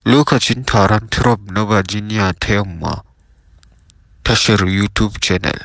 Lokacin Taron Trump na Virginia ta Yamma, Tashar YouTube Channel